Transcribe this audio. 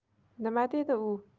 nima dedi u